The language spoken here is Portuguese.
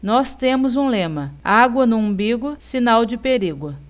nós temos um lema água no umbigo sinal de perigo